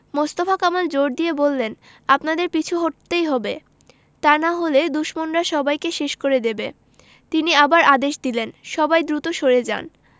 মোস্তফা কামাল জোর দিয়ে বললেন আপনাদের পিছু হটতেই হবে তা না হলে দুশমনরা সবাইকে শেষ করে দেবে তিনি আবার আদেশ দিলেন সবাই দ্রুত সরে যান